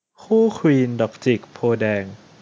คู่ควีนดอกจิกโพธิ์แดง